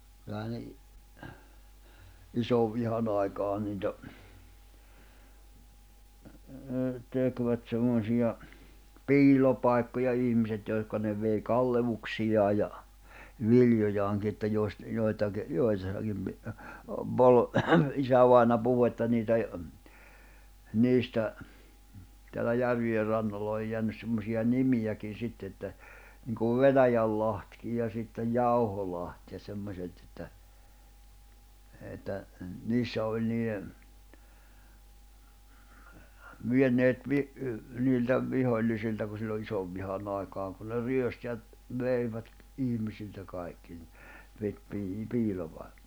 kyllähän ne - isonvihan aikaan niitä tekivät semmoisia piilopaikkoja ihmiset joihin ne vei kalleuksiaan ja viljojaankin että - joitakin joissakin -- isävainaja puhui että niitä - niistä täällä järvien rannoilla on jäänyt semmoisia nimiäkin sitten että niin kuin Venäjälahti ja sitten Jauholahti ja semmoiset että että niissä oli niiden vieneet - niiltä vihollisilta kun silloin isonvihan aikaan kun ne ryösti ja veivät ihmisiltä kaikki niin piti ---